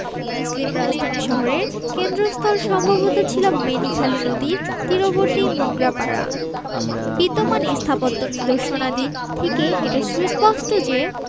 মুসলিম রাজধানী শহরের কেন্দ্রস্থল সম্ভবত ছিল মেনিখালী নদীর তীরবর্তী মোগরাপাড়া বিদ্যমান স্থাপত্য নিদর্শনাদি থেকে এটা সুস্পষ্ট যে